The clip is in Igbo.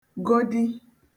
godi